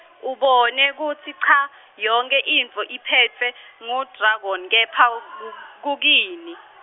ubone kutsi cha, yonkhe intfo iphetfwe, ngu-dragon kepha, ku- kukini.